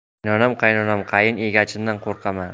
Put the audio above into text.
qaynonam qaynonam qayin egachimdan qo'rqaman